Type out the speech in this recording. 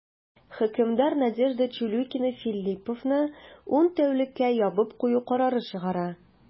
Хөкемдар Надежда Чулюкина Филлиповны ун тәүлеккә ябып кую карары чыгара.